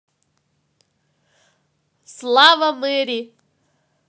слава мэри